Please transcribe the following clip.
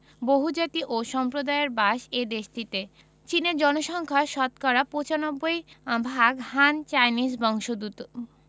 বহুজাতি ও সম্প্রদায়ের বাস এ দেশটিতে চীনের জনসংখ্যা শতকরা ৯৫ ভাগ হান চাইনিজ বংশোদূত